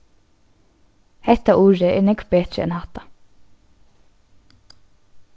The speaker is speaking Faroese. hetta urið er nógv betri enn hatta